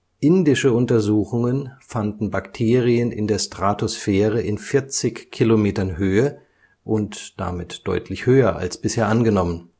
Indische Untersuchungen fanden Bakterien in der Stratosphäre in 40 Kilometern Höhe und damit deutlich höher als bisher angenommen